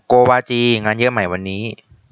โกวาจีงานเยอะไหมวันนี้